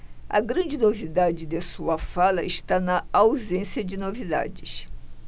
a grande novidade de sua fala está na ausência de novidades